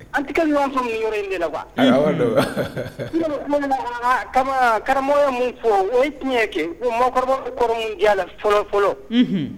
An ti ka ɲɔgɔn faamu nin yɔrɔ in de la quoi unhun aye awɔɔdɔɔ <RIRES< tumamina ka nan ka kamaa karamɔgɔ ye mun fɔ o ye tiɲɛ ye kɛ ko maakɔrɔbaw bɛ kɔrɔ min di a la fɔlɔ fɔlɔ unhun